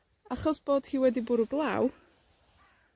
achos bod hi wedi bwrw glaw,